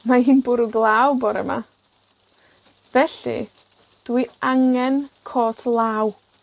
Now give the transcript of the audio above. Mae hi'n bwrw glaw bore 'ma. Felly, dwi angen cot law.